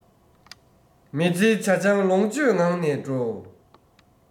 མི ཚེ ཇ ཆང ལོངས སྤྱོད ངང ལ འགྲོ